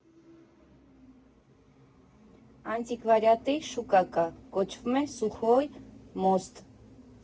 Անտիկվարիատի շուկա կա, կոչվում է Սուխոյ մոստ.